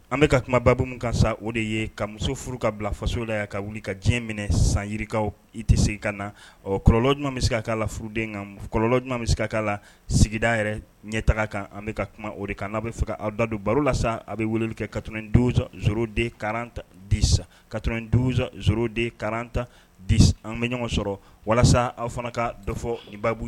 An bɛka ka kumaba min ka sa o de ye ka muso furu ka bila faso la yan ka wuli ka diɲɛ minɛ san yirikaw i tɛ se ka na ɔ kɔlɔlɔuma bɛ se k'a la furuden nka kɔlɔlɔ ɲuman bɛ se ka k'a la sigida yɛrɛ ɲɛ taga kan an bɛka ka kuma o de kan n'a bɛ fɛ awaw dadon baro la sa a bɛ weele kɛ katozroden karanta disa katosonzoden karan ta di an bɛ ɲɔgɔn sɔrɔ walasa aw fana ka dɔ fɔ ba